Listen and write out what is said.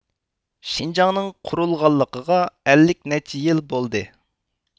شىنجاڭنىڭ قۇرۇلانلىقىغا ئەللىك نەچچە يىل بولدى